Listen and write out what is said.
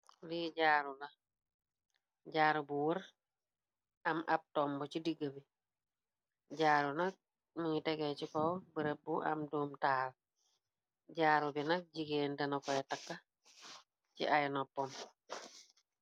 Lii jaaru la jaaru bu wër am ab tombo ci diggi bi jaaru nak muy tegee ci ko bëreb bu am duom taal jaaru bi nak jigéen dena koy takk ci ay noppom.